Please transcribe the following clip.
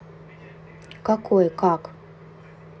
какой как